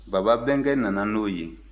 baba bɛɛnkɛ nana n'o ye